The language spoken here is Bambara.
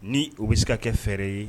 Ni o bɛ se ka kɛ fɛrɛɛrɛ ye